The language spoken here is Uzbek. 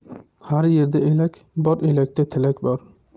har yerda elak bor elakda tilak bor